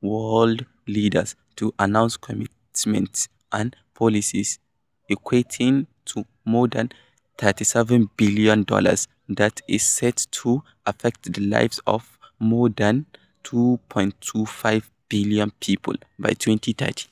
world leaders to announce commitments and policies equating to more than $37 billion that is set to affect the lives of more than 2.25 billion people by 2030.